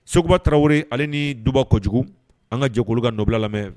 Segukuba tarawele ale ni duba kojugu an ka jɛkolo ka nɔbila lamɛn